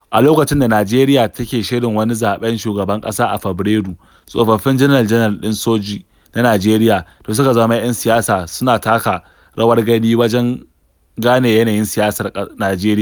A lokacin da Najeriya take shirin wani zaɓen shugaban ƙasa a Fabarairu, tsofaffin janar-janar ɗin soji na Najeriya da suka zama 'yan siyasa suna taka rawar gani wajen gane yanayin siyasar Najeriya.